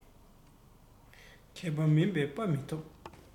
མཁས པ མིན པས དཔའ མི ཐོབ